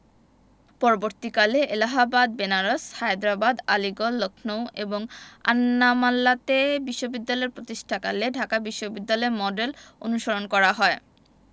পরবর্তীকালে এলাহাবাদ বেনারস হায়দ্রাবাদ আলীগড় লক্ষ্ণৌ এবং আন্নামালাতে বিশ্ববিদ্যালয় প্রতিষ্ঠাকালে ঢাকা বিশ্ববিদ্যালয়ের মডেল অনুসরণ করা হয়